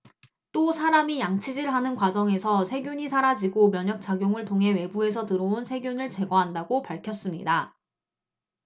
또 사람이 양치질하는 과정에서 세균이 사라지고 면역작용을 통해 외부에서 들어온 세균을 제거한다고 밝혔습니다